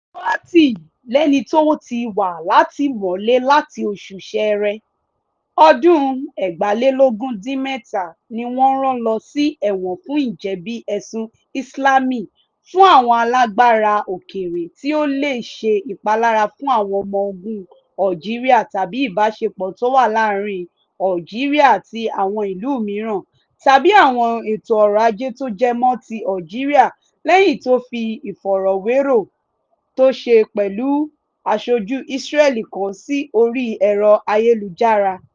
Touati, lẹ́ni tó ti wà látìmọ́lé láti oṣù Ṣẹẹrẹ, ọdún 2017, ni wọ́n rán lọ́ sí ẹ̀wọ̀n fún ìjẹbi ẹ̀sun ìṣalamí fún àwọn alágbara òkèèrè tí ó lè ṣe ìpalára fún àwọn ọmọ ogun Algeria tàbí ìbáṣepọ̀ tó wà láàárìn Algeria àti àwọn ìlú míràn tàbí àwọn ètò ọrọ̀ ajé tó jẹ mọ́ ti Algeria lẹ́yìn to fi ìfọ̀rọ̀wérọ̀ tó ṣe pẹ̀lú aṣojú Israeli kan sí orí ẹ̀rọ ayélujára.